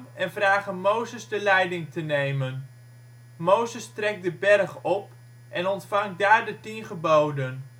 vragen Mozes de leiding te nemen. Mozes trekt de berg op en ontvangt daar de Tien geboden